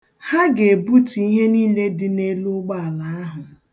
Ha ga-ebutu ihe niile dị n'elu ụgbọala ahụ.